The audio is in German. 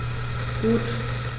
Gut.